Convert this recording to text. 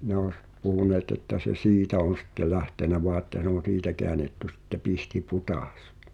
ne olisi puhuneet että se siitä on sitten lähtenyt vain että se on siitä käännetty sitten Pihtipudas